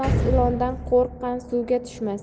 ilondan qo'rqqan suvga tushmas